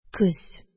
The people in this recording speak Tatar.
Көз